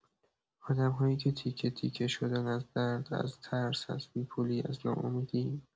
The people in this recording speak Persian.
آدم‌هایی که تیکه‌تیکه شدن، از درد، از ترس، از بی‌پولی، از ناامیدی.